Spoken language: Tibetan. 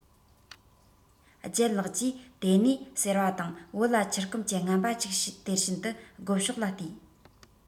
ལྗད ལགས ཀྱིས དེ ནས ཟེར བ དང བུ ལ ཕྱུར སྐོམ གྱི བརྔན པ གཅིག སྟེར གྱིན དུ སྒོ ཕྱོགས ལ བལྟས